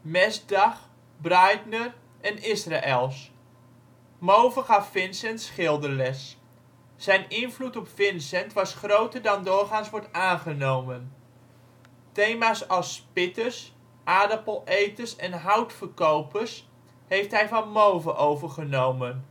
Mesdag, Breitner en Israëls. Mauve gaf Vincent schilderles. Zijn invloed op Vincent was groter dan doorgaans wordt aangenomen. Thema’ s als spitters, aardappeleters en houtverkopers heeft hij van Mauve overgenomen